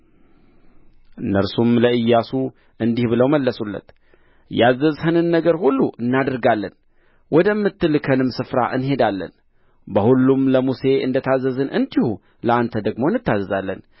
እነርሱም ለኢያሱ እንዲህ ብለው መለሱለት ያዘዝኸንን ነገር ሁሉ እናደርጋለን ወደምትልከንም ስፍራ እንሄዳለን በሁሉም ለሙሴ እንደ ታዘዝን እንዲሁ ለአንተ ደግሞ እንታዘዛለን